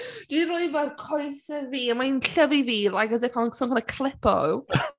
Dwi 'di rhoi fe ar fel coesau fi, a mae hi'n llyfu fi like as if I’m some kind of a Calippo.